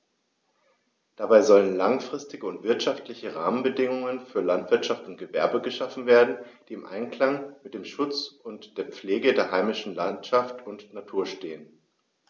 Dabei sollen langfristige und wirtschaftliche Rahmenbedingungen für Landwirtschaft und Gewerbe geschaffen werden, die im Einklang mit dem Schutz und der Pflege der heimischen Landschaft und Natur stehen.